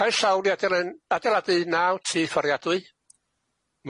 Caes llawn i adelen- adeiladu naw tŷ fforiadwy.